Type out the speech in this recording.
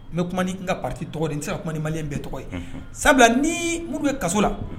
N bɛ kuma'i ka pati tɔgɔ ye n sera ko ni malilen bɛɛ tɔgɔ ye sabula ni muru bɛ kaso la